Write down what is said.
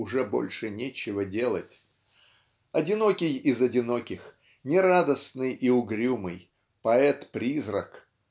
уже больше нечего делать. Одинокий из одиноких нерадостный и угрюмый поэт-призрак